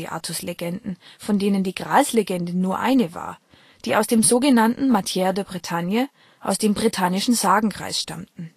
Artuslegenden, von denen die Gralslegende nur eine war, die aus dem so genannten " Matière de Bretagne ", aus dem britannischen Sagenkreis stammten